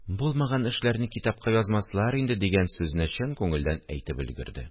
– булмаган эшләрне китапка язмаслар инде, – дигән сүзне чын күңеленнән әйтеп өлгерде